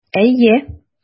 Әйе.